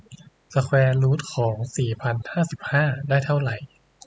สแควร์รูทของสี่พันห้าสิบห้าได้เท่าไหร่